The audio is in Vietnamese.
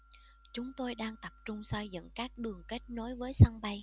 chúng tôi đang tập trung xây dựng các đường kết nối với sân bay